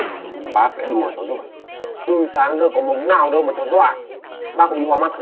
bác lại đùa cháu rồi từ sáng giờ có mống nào đâu mà cháu dọa bác có bị hoa mắt không